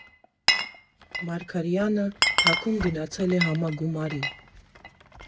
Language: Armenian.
Մարգարյանը թաքուն գնացել է համագումարի։